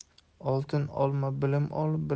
oltin olma bilim ol